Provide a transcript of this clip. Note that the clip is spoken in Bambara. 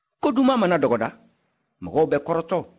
ko duman mana dɔgɔda mɔgɔ bɛ kɔrɔtɔ